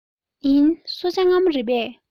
ཡིན གསོལ ཇ མངར མོ རེད པས